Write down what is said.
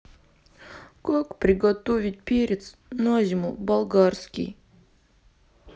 как приготовить перец на зиму болгарский